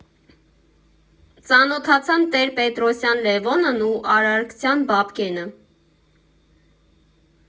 Ծանոթացան Տեր֊Պետրոսյան Լևոնն ու Արարքցյան Բաբկենը։